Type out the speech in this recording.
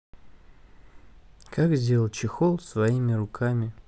как сделать чехол своими руками